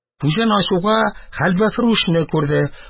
Күзен ачуга, хәлвәфрүшне күрде